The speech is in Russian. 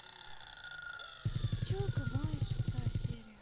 пчелка майя шестая серия